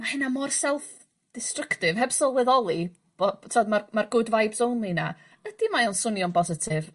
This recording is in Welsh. ...ma' hynna mor self destructive heb sylweddoli bo' t'od ma'r ma'r good vibes only 'na, ydy mae o'n swnio'n bositif.